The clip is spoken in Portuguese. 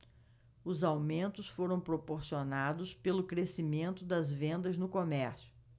os aumentos foram proporcionados pelo crescimento das vendas no comércio